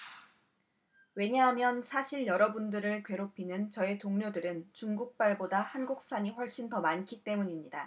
왜냐하면 사실 여러분들을 괴롭히는 저의 동료들은 중국발보다 한국산이 훨씬 더 많기 때문입니다